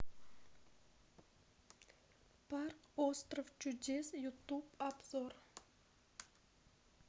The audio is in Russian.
парк остров чудес ютуб обзор